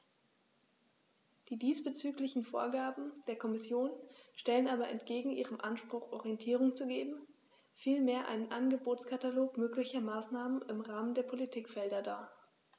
Die diesbezüglichen Vorgaben der Kommission stellen aber entgegen ihrem Anspruch, Orientierung zu geben, vielmehr einen Angebotskatalog möglicher Maßnahmen im Rahmen der Politikfelder dar.